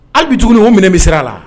Hali bɛ tuguni o minɛ bɛ siran a la